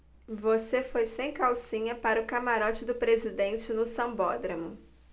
você foi sem calcinha para o camarote do presidente no sambódromo